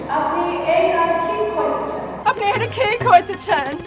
আপনি এইডা কি কছছেন আপনি এটা কি কইতাছেন